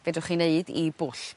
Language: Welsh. fedrwch chi neud i bwll